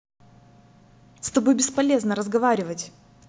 с тобой бесполезно разговаривать